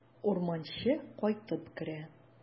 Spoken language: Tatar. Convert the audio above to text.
Урманчы кайтып керә.